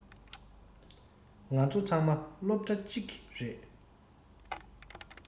ང ཚོ ཚང མ སློབ གྲྭ གཅིག གི རེད